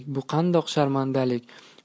bu qandoq sharmandalik